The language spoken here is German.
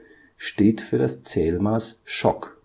steht für das Zählmaß Schock